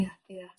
Ia ia.